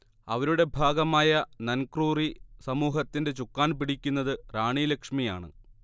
അവരുടെ ഭാഗമായ നൻക്രുറി സമൂഹത്തിന്റെ ചുക്കാൻ പിടിക്കുന്നത് റാണി ലക്ഷ്മിയാണ്